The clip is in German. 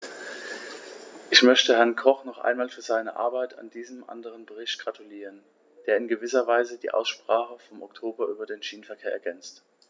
Ich möchte Herrn Koch noch einmal für seine Arbeit an diesem anderen Bericht gratulieren, der in gewisser Weise die Aussprache vom Oktober über den Schienenverkehr ergänzt.